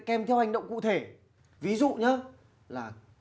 kèm theo hành động cụ thể ví dụ nha là